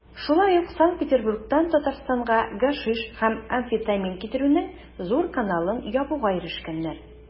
Шулай ук Санкт-Петербургтан Татарстанга гашиш һәм амфетамин китерүнең зур каналын ябуга ирешкәннәр.